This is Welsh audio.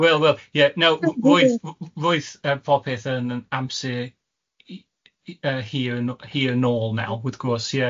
Wel wel ie nawr w- w- w- roedd yy popeth yn yn amser i- i- yy hir n- hir nôl naw wrth gwrs ie.